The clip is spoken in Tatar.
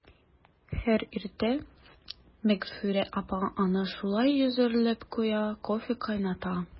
Һәр иртә Мәгъфүрә апа аңа шулай әзерләп куя, кофе кайната.